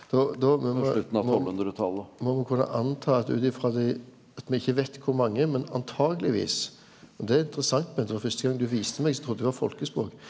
då då me må kunne anta at utifrå det at me ikkje veit kor mange men antakeleg og det er interessant Bente for fyrste gong du viste meg så trudde eg det var folkespråk.